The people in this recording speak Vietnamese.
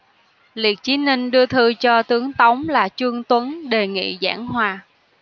liệt chí ninh đưa thư cho tướng tống là trương tuấn đề nghị giảng hòa